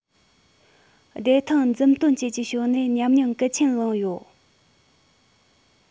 བདེ ཐང མཛུབ སྟོན བཅས ཀྱི ཕྱོགས ནས ཉམས མྱོང གལ ཆེན བླངས ཡོད